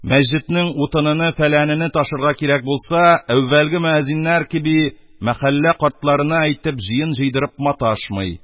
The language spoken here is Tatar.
Мәсҗеднең утыныны-фәләнене ташырга кирәк булса, әүвәлге мөәзиннәр кеби, мәхәллә картларына әйтеп, җыен җыйдырып маташмый;